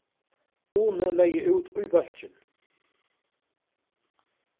uni legði út í bólkin